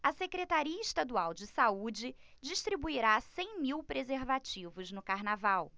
a secretaria estadual de saúde distribuirá cem mil preservativos no carnaval